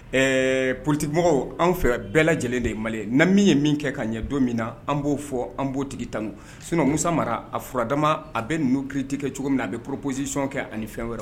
Ɛɛ politique mɔgɔw anw fɛ bɛɛ lajɛlen de ye malien ni min ye min kɛ ka ɲɛ don min na, an b'o fɔ an b'o tigi tanu sinon Musa Mara a furadama a bɛ ninnu critiquer cogo min na, a bɛ propositions kɛ ani fɛn wɛrɛ